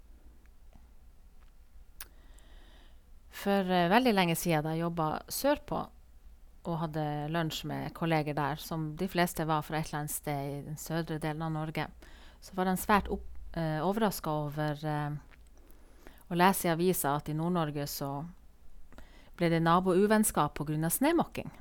For veldig lenge sia, da jeg jobba sørpå og hadde lunsj med kolleger der, som de fleste var fra et eller annet sted i den søndre delen av Norge, så var dem svært opp overraska over å lese i avisa at i Nord-Norge så ble det nabo-uvennskap på grunn av snømåking.